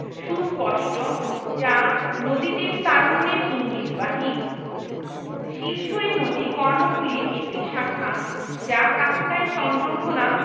সুস্পষ্ট যা নদীটির তারুণ্যের ইঙ্গিতবাহী শিলছড়ি নদী কর্ণফুলির একটি শাখা যা কাপ্তাই চন্দ্রঘোনা